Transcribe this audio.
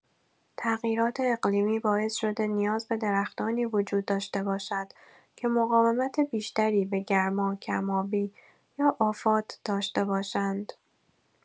تغییرات اقلیمی باعث شده نیاز به درختانی وجود داشته باشد که مقاومت بیشتری به گرما، کم‌آبی یا آفات داشته باشند.